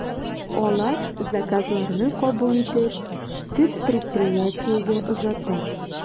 Алар заказларны кабул итеп, төп предприятиегә озата.